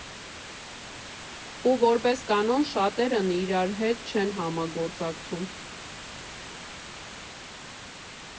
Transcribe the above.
Ու որպես կանոն շատերն իրար հետ չեն համագործակցում։